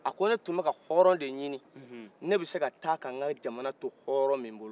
a ko ne tun bɛka hɔrɔn de ɲinin ne bɛ seka ta ka nka jamana to hɔrɔn min bolo